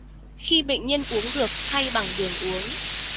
khi bệnh nhân uống được thay bằng đường uống